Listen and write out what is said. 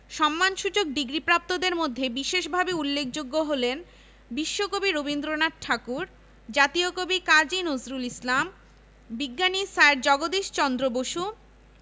এবং পরবর্তীকালে তাঁর যোগ্য উত্তরসূরি George Harry Langley A F Rahman ড. আর.সি মজুমদার